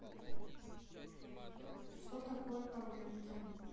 что такое табетки